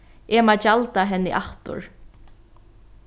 eg má gjalda henni aftur